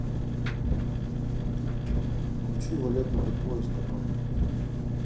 включи валерка под поезд попал